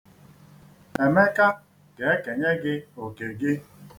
Emeka ga-ekenye gị oke gị.